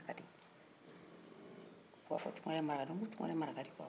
u b'a fɔ tunkara ye maraka de ye n' ko tunkara ye maraka de ye ko awɔ k'o ma f'i ye fɔlɔ n ko ayi n ko ma fɔ n'ye